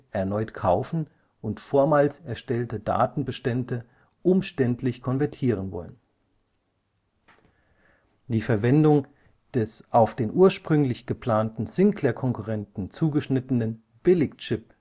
erneut kaufen und vormals erstellte Datenbestände umständlich konvertieren wollen. Die Verwendung des auf den ursprünglichen geplanten Sinclair-Konkurrenten zugeschnittenen „ Billig-Chip